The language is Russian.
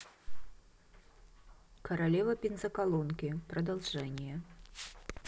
королева бензоколонки продолжение